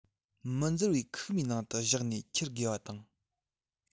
མི འཛིར བའི ཁུག མའི ནང དུ བཞག ནས ཁྱེར དགོས པ དང